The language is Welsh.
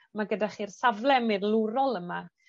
ma' gyda chi'r safle mirlwrol yma